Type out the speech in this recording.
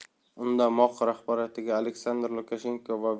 unda moq rahbarligiga aleksandr lukashenko va